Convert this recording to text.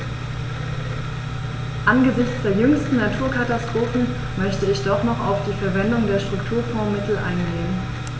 Angesichts der jüngsten Naturkatastrophen möchte ich doch noch auf die Verwendung der Strukturfondsmittel eingehen.